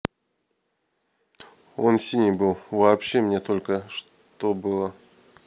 он синий был вообще мне только что было